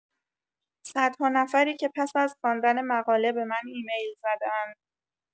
صدها نفری که پس از خواندن مقاله به من ایمیل زده‌اند.